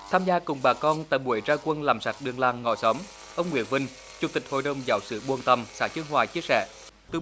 tham gia cùng bà con tại buổi ra quân làm sạch đường làng ngõ xóm ông nguyễn vinh chủ tịch hội đồng giáo sự buông tâm xã vĩ hòa chia sẻ